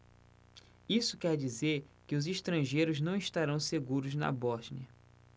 isso quer dizer que os estrangeiros não estarão seguros na bósnia